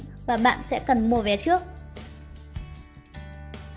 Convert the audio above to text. và bạn sẽ cần mua vé trước